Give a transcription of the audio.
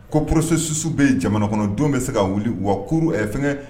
Co porossisu bɛ yen jamana kɔnɔ don bɛ se ka wuli wa kurun fɛn